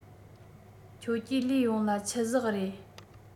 ཁྱོད ཀྱིས ལུས ཡོངས ལ ཆུ ཟེགས རེད